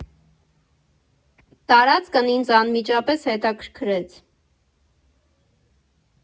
Տարածքն ինձ անմիջապես հետաքրքրեց։